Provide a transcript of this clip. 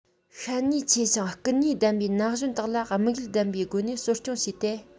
ཤན ནུས ཆེ ཞིང སྐུལ ནུས ལྡན པའི ན གཞོན དག ལ དམིགས ཡུལ ལྡན པའི སྒོ ནས གསོ སྐྱོང བྱས ཏེ